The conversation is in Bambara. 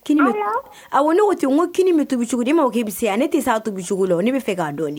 Kini be Awɔ ne ko ten wo, n go koni be tobi cogodi. E ma fɔ ko e be se wa? Ne te se a tobicogo la wo, ne bɛ fɛ ka dɔn n'en.